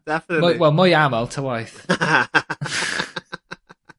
Definately. Mwy wel mwy o afal ta waeth.